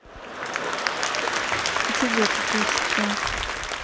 и тебе кукусики